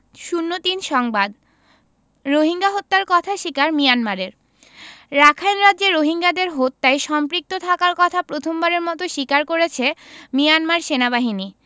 ০৩ সংবাদ রোহিঙ্গা হত্যার কথা স্বীকার মিয়ানমারের রাখাইন রাজ্যে রোহিঙ্গাদের হত্যায় সম্পৃক্ত থাকার কথা প্রথমবারের মতো স্বীকার করেছে মিয়ানমার সেনাবাহিনী